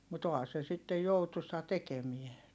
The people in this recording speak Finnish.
mutta onhan se sitten joutuisaa tekeminen